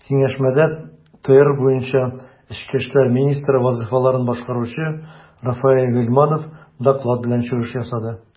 Киңәшмәдә ТР буенча эчке эшләр министры вазыйфаларын башкаручы Рафаэль Гыйльманов доклад белән чыгыш ясады.